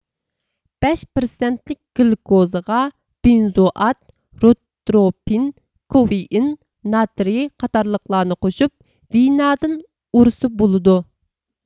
بەش پىرسەنتلىك گلۇكوزىغا بېنزوئات روتروپىن كوفېئىن ناترىي قاتارلىقلارنى قوشۇپ ۋىنادىن ئۇرسا بولىدۇ